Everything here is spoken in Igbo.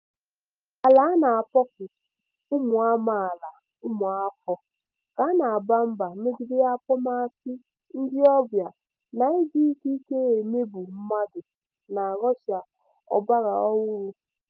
Ala a na-akpọku ụmụ amaala (ụmụafọ) ka ha gba mgba megide akpọmasị ndịọbịa na iji ikike emegbu mmadụ na Russia ọgbaraọhụrụ.